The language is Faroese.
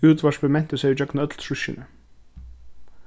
útvarpið menti seg gjøgnum øll trýssini